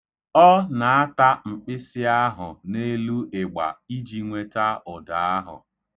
Ọ na-ata mkpịsị ahụ n'elu ịgba iji nweta ụda ahụ.